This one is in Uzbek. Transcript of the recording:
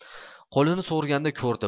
qo'lini sug'urganda ko'rdi